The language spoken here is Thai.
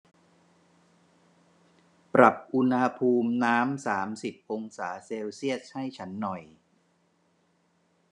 ปรับอุณหภูมิน้ำสามสิบองศาเซลเซียสให้ฉันหน่อย